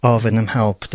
ofyn am help...